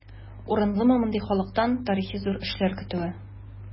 Урынлымы мондый халыктан тарихи зур эшләр көтүе?